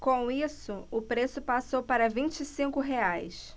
com isso o preço passou para vinte e cinco reais